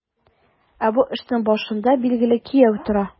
Ә бу эшнең башында, билгеле, кияү тора.